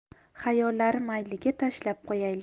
xayollari mayliga tashlab qo'yaylik